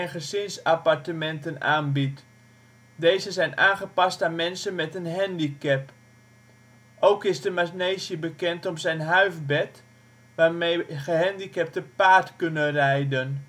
gezinsappartementen aanbiedt. Deze zijn aangepast aan mensen met een handicap. Ook is de manege bekend om zijn huifbed, waarmee gehandicapten paard kunnen rijden